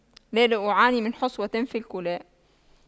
لا لا أعاني من حصوة في الكلى